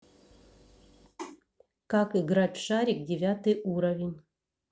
как играть в шарик девятый уровень